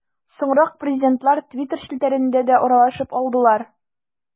Соңрак президентлар Twitter челтәрендә дә аралашып алдылар.